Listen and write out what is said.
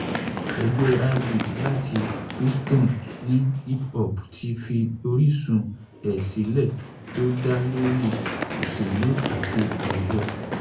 Ẹgbẹ́ High Breed láti Bristol ní hip hop ti fi orísun ẹ̀ sílẹ̀ tó dá lórí òṣèlú àti àwùjọ.